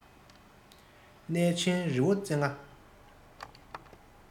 གནས ཆེན རི བོ རྩེ ལྔ